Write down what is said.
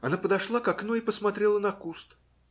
- Она подошла к окну и посмотрела на куст.